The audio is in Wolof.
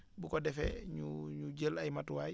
bu ko defee ñu ñu jël ay matuwaay